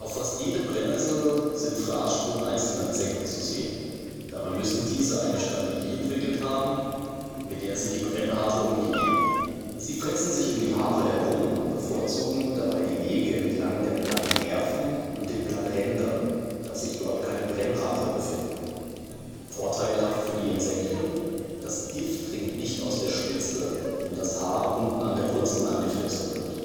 fast jeder Brennnessel sind Fraßspuren einzelner Insekten zu sehen. Dabei müssen diese eine Strategie entwickelt haben, mit der sie die Brennhaare umgehen. Sie fressen sich um die Haare herum und bevorzugen dabei die Wege entlang der Blattnerven und den Blatträndern, da sich dort keine Brennhaare befinden. Vorteilhaft für die Insekten: Das Gift dringt nicht aus der Spitze, wenn das Haar unten an der Wurzel angefressen wird